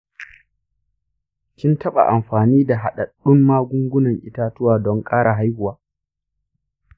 kin taɓa amfani da haɗaɗɗun magungunan itatuwa don ƙara haihuwa?